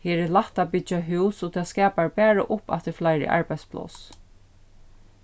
her er lætt at byggja hús og tað skapar bara upp aftur fleiri arbeiðspláss